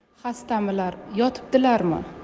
xastamilar yotibdilarmi